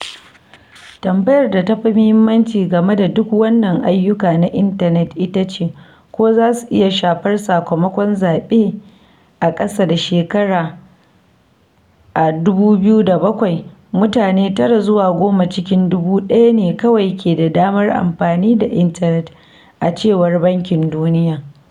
Tambayar da ta fi muhimmanci game da duk wannan ayyukan na intanet ita ce ko za su iya shafar sakamakon zabe, a ƙasa da shekarar a 2007, mutane 9 zuwa 10 cikin 1000 ne kawai ke da damar amfani da intanet, a cewar Bankin Duniya.